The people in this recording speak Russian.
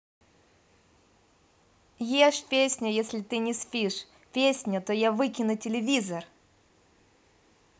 ешь песню если ты не спишь песню то я выкинул телевизор